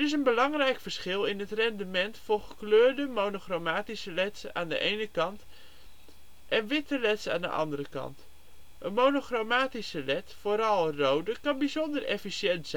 belangrijk verschil in het rendement voor gekleurde, monochromatische leds aan de ene kant, en witte leds aan de andere kant. Een monochromatische led, vooral een rode, kan bijzonder efficiënt zijn